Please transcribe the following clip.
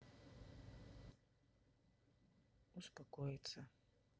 успокоиться